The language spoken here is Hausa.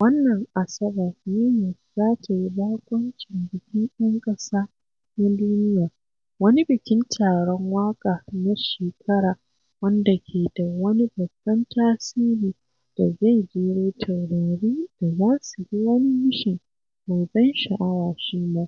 Wannan Asabar New York za ta yi baƙwancin Bikin 'Yan Ƙasa na Duniya, wani bikin taron waƙa na shekara wanda ke da wani babban tasiri da zai jero taurari da za su yi wani mishan mai ban sha'awa shi ma;